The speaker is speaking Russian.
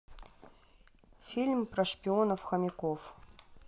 фильм про шпионов хомяков